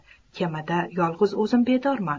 kemada yolg'iz o'zim bedorman